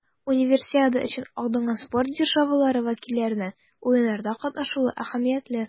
Универсиада өчен алдынгы спорт державалары вәкилләренең Уеннарда катнашуы әһәмиятле.